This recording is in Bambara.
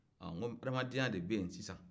aa n ko adamadenya de bɛ yen sisan